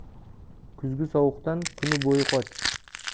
kuzgi sovuqdan kun bo'yi qoch